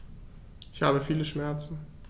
Ich habe viele Schmerzen.